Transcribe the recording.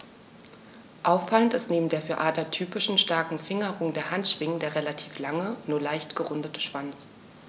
Auffallend ist neben der für Adler typischen starken Fingerung der Handschwingen der relativ lange, nur leicht gerundete Schwanz.